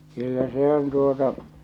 kyllä se on tuota